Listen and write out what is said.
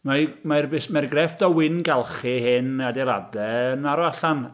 Mae'r... mae'r bus- mae'r grefft o wyngalchu hen adeiladau'n marw allan.